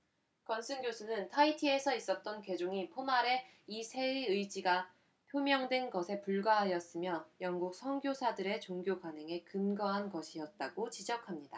건슨 교수는 타히티에서 있었던 개종이 포마레 이 세의 의지가 표명된 것에 불과하였으며 영국 선교사들의 종교 관행에 근거한 것이었다고 지적합니다